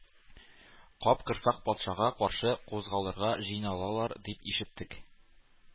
Капкорсак патшага каршы кузгалырга җыйналалар дип ишеттек,